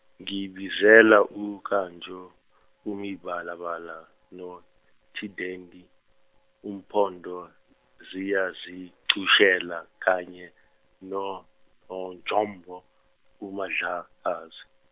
ngibizele u Okanjo omibalabala noTidengi ompondo ziyazichushela kanye noNonjombo uMandlakazi.